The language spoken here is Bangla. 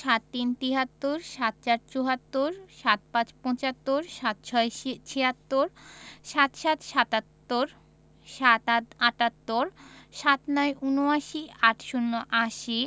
৭৩ – তিয়াত্তর ৭৪ – চুয়াত্তর ৭৫ – পঁচাত্তর ৭৬ - ছিয়াত্তর ৭৭ – সাত্তর ৭৮ – আটাত্তর ৭৯ – উনআশি ৮০ - আশি